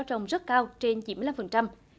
trồng rất cao trên chín mươi lăm phần trăm